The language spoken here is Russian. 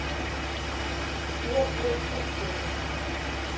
нет блин ты телек